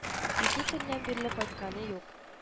Ике көннән бирле кайтканы юк